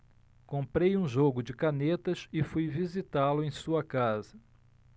comprei um jogo de canetas e fui visitá-lo em sua casa